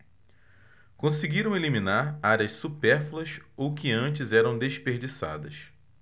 conseguiram eliminar áreas supérfluas ou que antes eram desperdiçadas